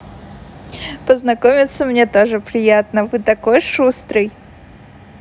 познакомиться мне тоже приятно вы такой шустрый